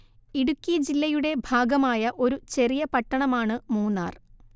ഇടുക്കി ജില്ലയുടെ ഭാഗമായ ഒരു ചെറിയ പട്ടണമാണ് മൂന്നാർ